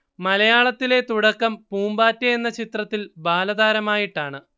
മലയാളത്തിലെ തുടക്കം പൂമ്പാറ്റ എന്ന ചിത്രത്തിൽ ബാലതാരമായിട്ടാണ്